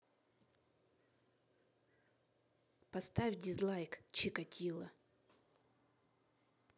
поставь дизлайк чикатило